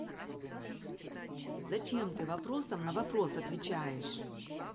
зачем ты вопросом на вопрос отвечаешь